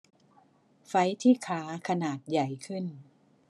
ไฝที่ขาขนาดใหญ่ขึ้น